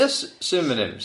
Ia? S- symonyms?